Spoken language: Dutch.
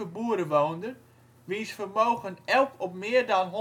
boeren woonden wiens vermogen elk op meer dan